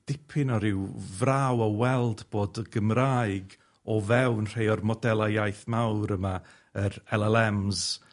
dipyn o ryw fraw o weld bod y Gymraeg o fewn rhei o'r modelau iaith mawr yma, yr Ell Ell Ems,